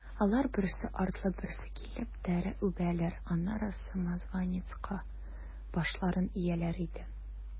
Алар, берсе артлы берсе килеп, тәре үбәләр, аннары самозванецка башларын ияләр иде.